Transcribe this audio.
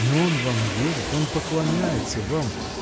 — Но он вам верит, он поклоняется вам.